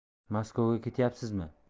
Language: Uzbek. maskovga ketyapsizmi